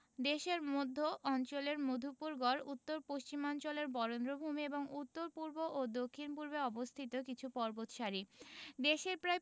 দেশের মধ্য অঞ্চলের মধুপুর গড় উত্তর পশ্চিমাঞ্চলের বরেন্দ্রভূমি এবং উত্তর পূর্ব ও দক্ষিণ পূর্বে অবস্থিত কিছু পর্বতসারি দেশের প্রায়